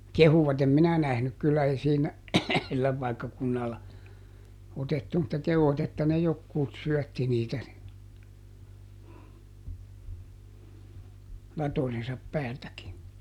kehuivat en minä nähnyt kyllä ei siinä sillä paikkakunnalla otettu mutta kehuivat että ne jotkut syötti niitä niin latojensa päältäkin